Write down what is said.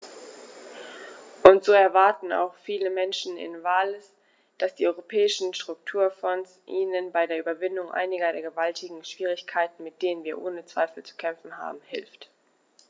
Und so erwarten auch viele Menschen in Wales, dass die Europäischen Strukturfonds ihnen bei der Überwindung einiger der gewaltigen Schwierigkeiten, mit denen wir ohne Zweifel zu kämpfen haben, hilft.